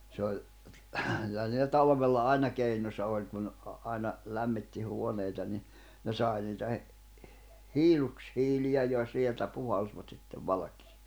se oli kyllä niillä talvella aina keinonsa oli kun - aina lämmitti huoneita niin ne sai niitä -- hiilushiiliä ja sieltä puhalsivat sitten valkeaan